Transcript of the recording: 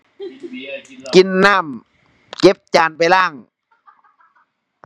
กินเบียร์ กินเหล้า กินน้ำ เก็บจานไปล้าง